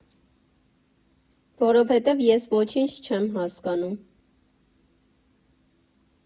Որովհետև ես ոչինչ չեմ հասկանում։